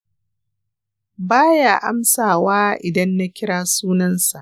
ba ya amsa wa idan na kira sunansa